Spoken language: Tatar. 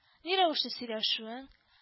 Ни рәвешле сөйләшүең